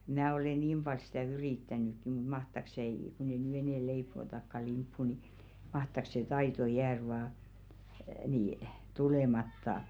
minä olen niin paljon sitä yrittänytkin mutta mahtaako se ei kun ei nyt enää leivotakaan limppua niin mahtaako se taito jäädä vain niin tulematta